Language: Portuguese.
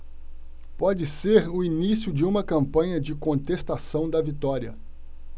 pode ser o início de uma campanha de contestação da vitória